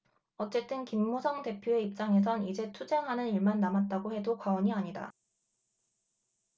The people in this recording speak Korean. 어쨌든 김무성 대표의 입장에선 이제 투쟁하는 일만 남았다고 해도 과언이 아니다